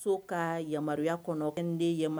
So ka yamaruyaya kɔnɔ nden yama